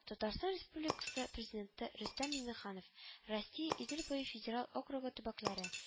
Татарстан Республикасы Президенты Рөстәм Миннеханов Россия Идел буе федераль округы төбәкләре